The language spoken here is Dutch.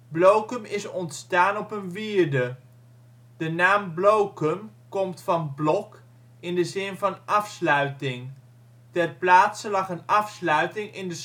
Blokum is ontstaan op een wierde. De naam Blokum komt van blok in de zin van afsluiting. Ter plaatse lag een afsluiting in de